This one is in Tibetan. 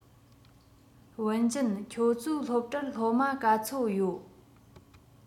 ཝུན ཅུན ཁྱོད ཚོའི སློབ གྲྭར སློབ མ ག ཚོད ཡོད